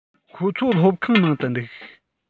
ཁོ ཚོ སློབ ཁང ནང དུ འདུག